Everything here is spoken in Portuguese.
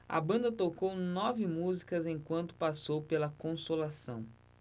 a banda tocou nove músicas enquanto passou pela consolação